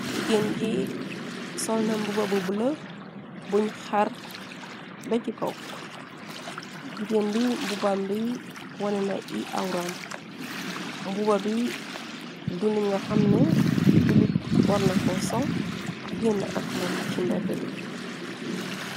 Jigeen ji solna mbuba bu bulë buñ xar bee ci kow. Jigéen bi mbubam bi wone na i awram. Mbuba bi, du li nga xamne julit warna ko sol, genn ak moom ci mbedd bi.